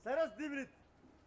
ca reste dix minutes